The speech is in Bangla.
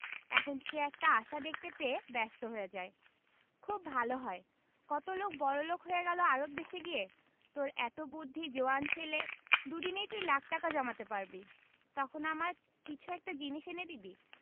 এখন সে একটা আশা দেখতে পেয়ে ব্যস্ত হয়ে যায় খুব ভালো হয় কত লোক বড়লোক হয়ে গেল আরব দেশে গিয়ে তোর এত বুদ্ধি জোয়ান ছেলে দুদিনেই তুই লাখ টাকা জমাতে পারবি তখন আমার কিছু একটা জিনিস এনে দিবি